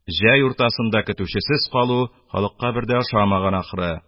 Җәй уртасында көтүчесез калу халыкка бер дә ошамаган, ахры